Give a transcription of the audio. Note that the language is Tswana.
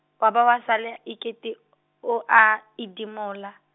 wa ba wa sale e kete, o a, edimola.